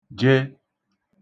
je